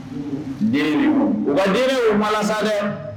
malasa dɛ